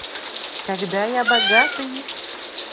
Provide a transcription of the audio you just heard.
когда я богатый